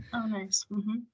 O neis m-hm.